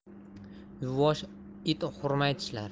yuvvosh it hurmay tishlar